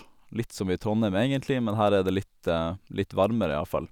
Litt som i Trondheim, egentlig, men her er det litt litt varmere iallfall.